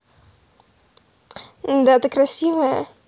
да ты красивая